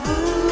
vui